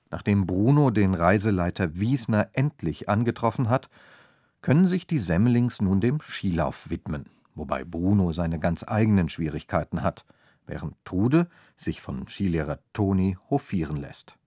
Nachdem Bruno den Reiseleiter Wiesner endlich angetroffen hat, können sich die Semmelings nun dem Skilauf widmen, wobei Bruno seine ganz eigenen Schwierigkeiten hat, während Trude sich vom Skilehrer Toni hofieren läßt